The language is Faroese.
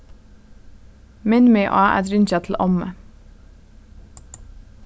minn meg á at ringja til ommu